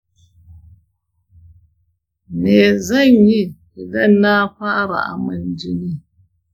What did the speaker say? me zan yi idan na fara aman jini?